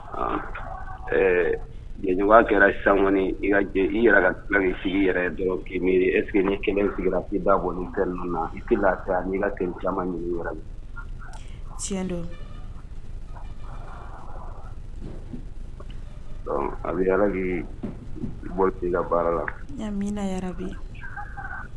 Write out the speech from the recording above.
Ɛɛ jeli kɛra i yɛrɛ ka sigi yɛrɛ dɔrɔn k esseke ni kɛlɛ sigira ki da bɔ na i la camanma yɔrɔ min tiɲɛ don a bɛ bɛ la baara lamina yɛrɛ bi